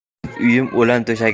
o'z uyim o'lan to'shagim